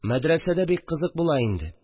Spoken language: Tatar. Мәдрәсәдә бик кызык була инд